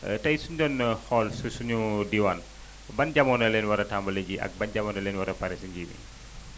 tey su ñu doon xool si suñu diwaan ban jamono lañ war a tàmbali ji ak ban jamono la ñu war a pare si ji bi